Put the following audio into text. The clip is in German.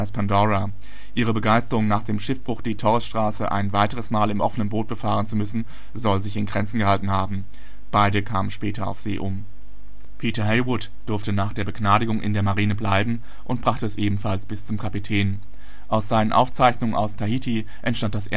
Pandora. Ihre Begeisterung, nach dem Schiffbruch die Torresstraße ein weiteres Mal im offenen Boot befahren zu müssen, soll sich in Grenzen gehalten haben. Beide kamen später auf See um. Peter Heywood durfte nach der Begnadigung in der Marine bleiben und brachte es ebenfalls bis zum Kapitän. Aus seinen Aufzeichnungen aus Tahiti entstand das